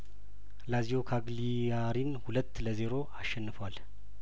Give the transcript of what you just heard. ላዚዮ ካግሊያሪን ሁለት ለዜሮ አሸንፏል